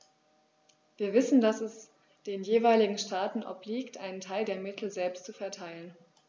Wir wissen, dass es den jeweiligen Staaten obliegt, einen Teil der Mittel selbst zu verteilen.